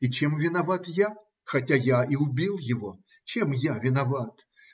И чем виноват я, хотя я и убил его? Чем я виноват?